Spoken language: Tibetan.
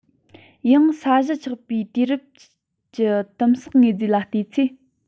ཡང ས གཞི ཆགས པའི དུས རིམ གྱི དིམ བསགས དངོས པོ ལ བལྟས ཚེ